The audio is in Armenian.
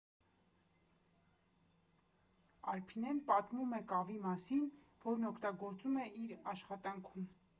Արփինեն պատմում է կավի մասին, որն օգտագործում է իր աշխատանքում.